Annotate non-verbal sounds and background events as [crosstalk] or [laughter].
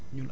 [hesitation] [hesitation]